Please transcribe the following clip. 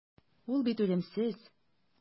Ул бит үлемсез.